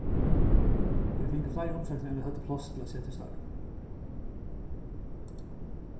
vit fingu fleiri umsóknir enn vit høvdu pláss til at seta í starv